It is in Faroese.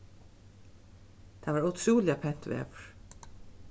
tað var ótrúliga pent veður